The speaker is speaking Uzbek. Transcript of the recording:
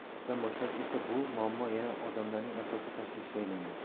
yangi yildan boshlab esa bu muammo yana odamlarning asosiy tashvishiga aylangan